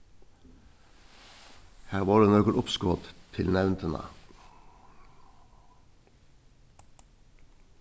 har vóru nøkur uppskot til nevndina